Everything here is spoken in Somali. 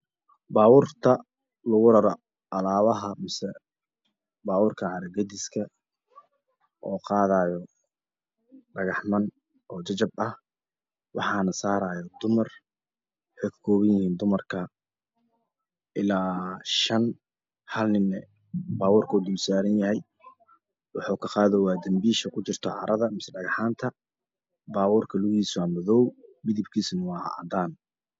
Baaburta lagu rararo Alaabaha mise baaburta Caro gadiska oo qaadaya dhagaxaanta jajabka waxana saaraya dumar waxa ka kooban yihiin ilaa shan hal nina baaburka Ayuu dulsaaran yhy waxa uu ka qaadayaa dambiisha Ay dhagaxaantu ku jirto